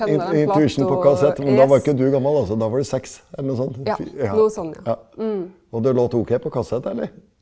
in Intuition på kassett, men da var ikke du gammel altså, da var du seks eller nå sånt ja ja, og det låt ok på kassett eller?